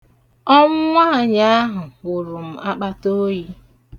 Ọnwụ nwaanyị ahụ wụrụ m akpataoyi.